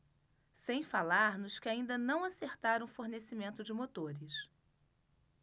sem falar nos que ainda não acertaram o fornecimento de motores